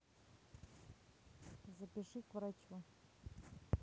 запиши к врачу